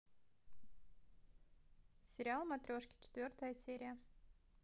сериал матрешки четвертая серия